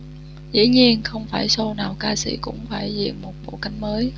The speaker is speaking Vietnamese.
dĩ nhiên không phải sô nào ca sĩ cũng phải diện một bộ cánh mới